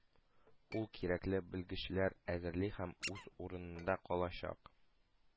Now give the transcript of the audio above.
Ул кирәкле белгечләр әзерли һәм үз урынында калачак.